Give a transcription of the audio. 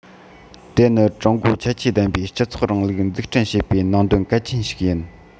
དེ ནི ཀྲུང གོའི ཁྱད ཆོས ལྡན པའི སྤྱི ཚོགས རིང ལུགས འཛུགས སྐྲུན བྱེད པའི ནང དོན གལ ཆེན ཞིག ཡིན